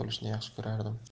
olishni yaxshi ko'rardim